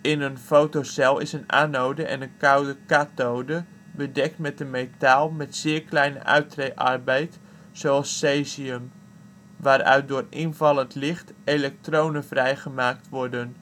In de fotocel is een anode en een koude kathode bedekt met een metaal met zeer kleine uittree-arbeid, zoals caesium, waaruit door invallend licht elektronen vrijgemaakt worden